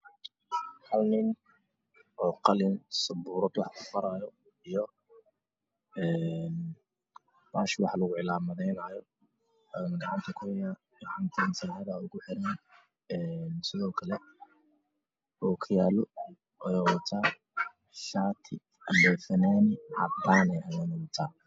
Waxaa ii muuqda nin wato qalin qori wuxuu wax ku jooraynayaa mastarad waxa uu ku qorayaa sabuurad cad waxa uu safaarad cad